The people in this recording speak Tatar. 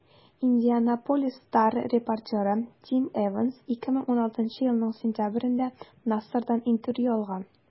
«индианаполис стар» репортеры тим эванс 2016 елның сентябрендә нассардан интервью алган.